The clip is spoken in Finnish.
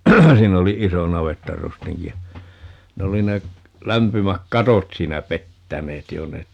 siinä oli iso navettarustinki ja ne oli ne lämpimät katot siinä pettäneet jo ne